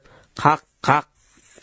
qaq qaq